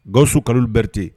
Ga su kalo berete